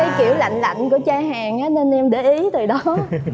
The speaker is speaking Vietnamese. cái kiểu lạnh lạnh của trai hàn á nên em để ý từ đó